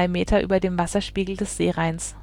Meter über dem Wasserspiegel des Seerheins